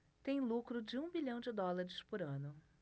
tem lucro de um bilhão de dólares por ano